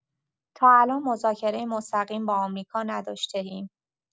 تا الان مذاکره مستقیم با آمریکا نداشته‌ایم.